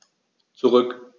Zurück.